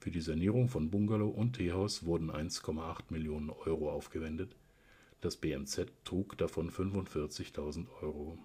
die Sanierung von Bungalow und Teehaus wurden 1,8 Millionen Euro aufgewendet; das BMZ trug davon 45.000 Euro